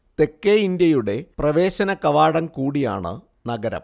തെക്കേ ഇന്ത്യയുടെ പ്രവേശനകവാടം കൂടിയാണ് നഗരം